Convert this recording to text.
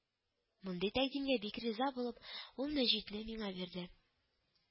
Мондый тәкъдимгә бик риза булып, ул Мәҗитне миңа бирде